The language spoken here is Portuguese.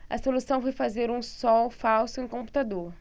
a solução foi fazer um sol falso em computador